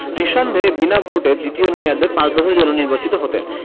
নিঃসন্দেহে বিনা ভোটে দ্বিতীয় মেয়াদে পাঁচ বছরের জন্য নির্বাচিত হতেন